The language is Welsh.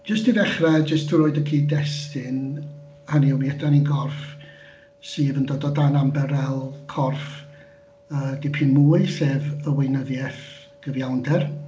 Jyst i ddechrau jyst i roid y cyd-destun, hynny yw mi ydan ni'n gorff sydd yn dod o dan ymbarel corff yy dipyn mwy, sef y Weinyddiaeth Gyfiawnder.